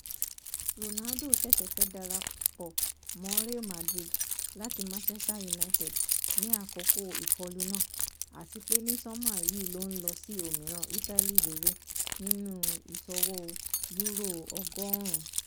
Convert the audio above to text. Ronaldo ṣẹ̀ṣẹ̀ fẹ́ darapọ̀ mọ́ Real Madrid láti Manchester United ni àkókò ìkọlù náà, àtipé ní sọ́mà yìí ló lọ sí òmìràn ìtálí Juve nínú ìṣòwò €100.